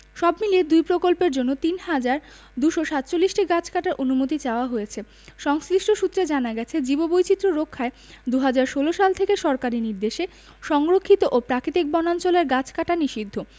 সবমিলিয়ে দুই প্রকল্পের জন্য ৩হাজার ২৪৭টি গাছ কাটার অনুমতি চাওয়া হয়েছে সংশ্লিষ্ট সূত্রে জানা গেছে জীববৈচিত্র্য রক্ষায় ২০১৬ সাল থেকে সরকারি নির্দেশে সংরক্ষিত ও প্রাকৃতিক বনাঞ্চলের গাছ কাটা নিষিদ্ধ